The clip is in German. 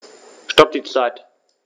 Stopp die Zeit